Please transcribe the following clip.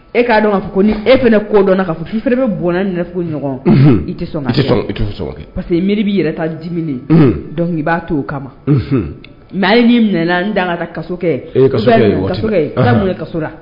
E k'a dɔn k'a fɔ ko ni e fana kodɔnna ka fɔ i fana bɛ i k'u ɲɔgɔn i tɛ sɔn k'a kɛ, parce que miiri b'i yɛrɛ ta unhun, donc i b'a to o kama mais n'i minɛna ka kaso kɛ, i bɛ taa mun kɛ kaso la